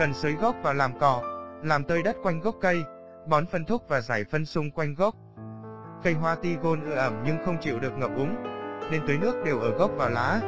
cần xới gốc và làm cỏ làm tơi đất quanh gốc cây bón phân thúc và rải phân xung quanh gốc cây hoa tigon ưa ẩm nhưng không chịu được ngập úng nên tưới nước đều ở gốc và lá